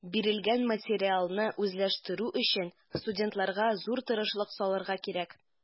Бирелгән материалны үзләштерү өчен студентларга зур тырышлык салырга кирәк.